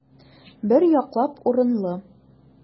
Бер яклап урынлы.